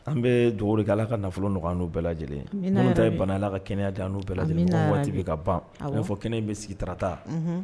An bɛ dugawuri k' ala ka nafolo ɲɔgɔn n' bɛɛ lajɛlen n ta bana' ka kɛnɛyaya da n'u bɛɛ lajɛlen bɛ ka ban n fɔ kɛnɛ in bɛ sigi tata